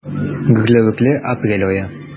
Гөрләвекле апрель ае.